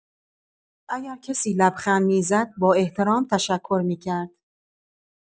اگه کسی لبخند می‌زد، با احترام تشکر می‌کرد.